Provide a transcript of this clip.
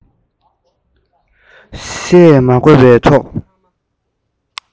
བཤད མ དགོས པའི ཐོག